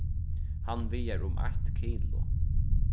hann vigar um eitt kilo